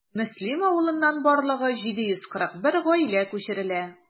Мөслим авылыннан барлыгы 741 гаилә күчерелә.